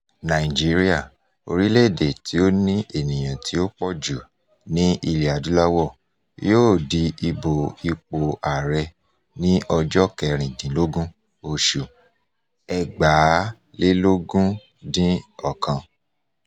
Nàìjíríà, orílẹ̀-èdè tí ó ní ènìyàn tí ó pọ̀ jù ní Ilẹ̀-Adúláwọ̀, yóò di ìbò ipò ààrẹ ní ọjọ́ 16, oṣù 2019.